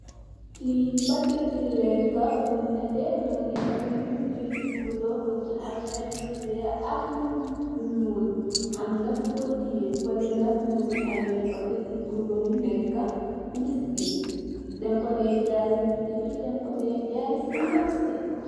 Li paketti lekka bu netteh, mugii ameh bindé yu bula, mugii ameh lu wèèx ak lu ñuul am na kuko teyeh. Fale nak mugii ameh paketti bula nekka biskit, deñ ko dèè jaay ci bitik yi dañ ko dèè jaay ci marseh yi .